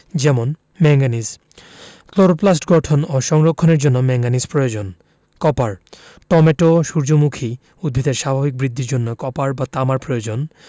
যেমন manganese chloroplast গঠন ও সংরক্ষণের জন্য ম্যাংগানিজ প্রয়োজন কপার টমেটো সূর্যমুখী উদ্ভিদের স্বাভাবিক বৃদ্ধির জন্য কপার বা তামার প্রয়োজন